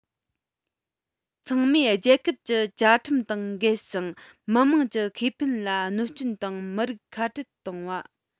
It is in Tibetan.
ཚང མས རྒྱལ ཁབ ཀྱི བཅའ ཁྲིམས དང འགལ ཞིང མི དམངས ཀྱི ཁེ ཕན ལ གནོད སྐྱོན དང མི རིགས ཁ བྲལ གཏོང བ